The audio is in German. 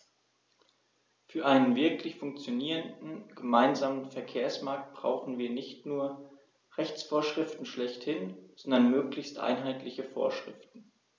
Für einen wirklich funktionierenden gemeinsamen Verkehrsmarkt brauchen wir nicht nur Rechtsvorschriften schlechthin, sondern möglichst einheitliche Vorschriften.